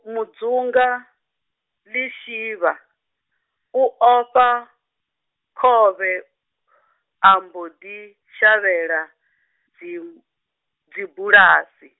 Mudzunga, Lishivha, u ofha, khovhe, a mbo ḓi, shavhela, dzi-, dzibulasi.